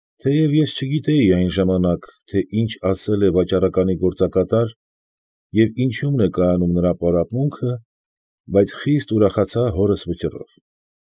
Թեև ես չգիտեի այն ժամանակ, թե ինչ ասել է վաճառականի գործակատար և ինչումն է կայանում նրա պարապմունքը, բայց խիստ ուրախացա հորս այդ վճռով։